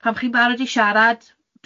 Pam chi'n barod i siarad,